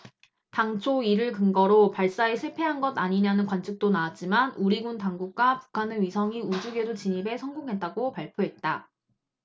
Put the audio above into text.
당초 이를 근거로 발사에 실패한 것 아니냐는 관측도 나왔지만 우리 군 당국과 북한은 위성이 우주궤도 진입에 성공했다고 발표했다